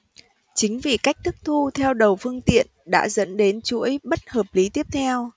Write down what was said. chính vì cách thức thu theo đầu phương tiện đã dẫn đến chuỗi bất hợp lý tiếp theo